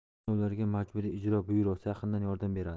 bunda ularga majburiy ijro byurosi yaqindan yordam beradi